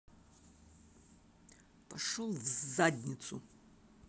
пошел в задницу